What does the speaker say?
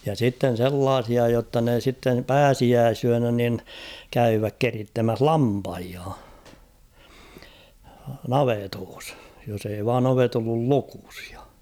ja sitten sellaisia jotta ne sitten pääsiäisyönä niin käyvät keritsemässä lampaita navetoissa jos ei vain ovet ollut lukossa ja